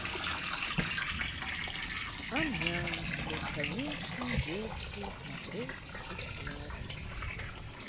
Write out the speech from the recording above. ам ням бесконечный детский смотреть бесплатный